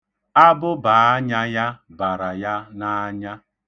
Abubaanya ya bara ya n'anya.